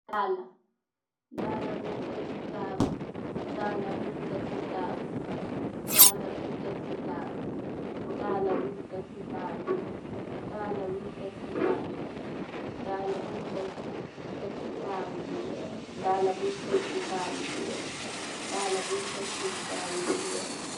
Dalla buñ tek ci tabull bu wèèx.